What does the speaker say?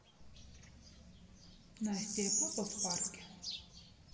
настя и папа в парке